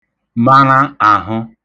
maṙa àḣụ